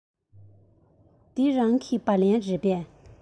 འདི རང གི སྦ ལན རེད པས